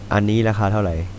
อันนี้ราคาเท่าไร